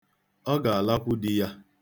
O ga-alakwu di ya.